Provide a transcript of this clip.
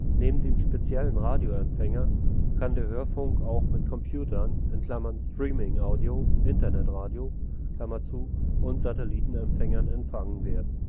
Neben dem speziellen Radioempfänger kann der Hörfunk auch mit Computern (Streaming Audio, Internetradio) und Satellitenempfängern empfangen werden